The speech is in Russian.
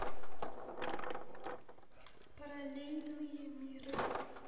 параллельные миры